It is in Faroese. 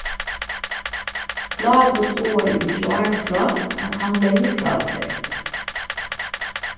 klávus boðaði í gjár frá at hann legði frá sær